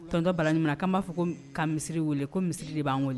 Tɔnontɔba min k' b'a fɔ ko ka misiri wele ko misiri de b'an wele